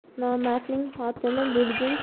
nomardning xotini bo'lguncha